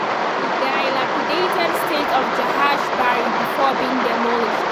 The dilapidated state of “Jahaj Bari” before being demolished.